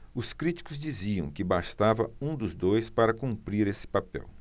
os críticos diziam que bastava um dos dois para cumprir esse papel